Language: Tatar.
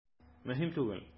Мөһим түгел.